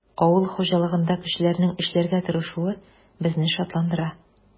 Авыл хуҗалыгында кешеләрнең эшләргә тырышуы безне шатландыра.